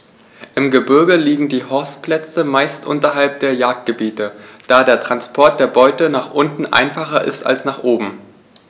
Im Gebirge liegen die Horstplätze meist unterhalb der Jagdgebiete, da der Transport der Beute nach unten einfacher ist als nach oben.